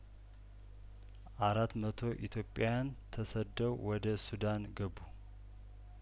አራት መቶ ኢትዮጵያን ተሰደው ወደ ሱዳን ገቡ